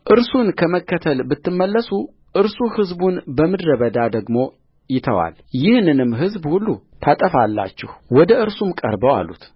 እርሱን ከመከተል ብትመለሱ እርሱ ሕዝቡን በምድረ በዳ ደግሞ ይተዋል ይህንንም ሕዝብ ሁሉ ታጠፋላችሁወደ እርሱም ቀርበው አሉት